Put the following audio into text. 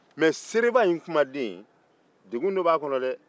mɛ seereba in kumaden degun dɔ b'a kɔnɔ dɛ